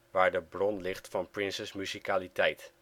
waar de bron ligt van Princes muzikaliteit